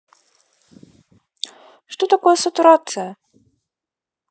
что такое сатурация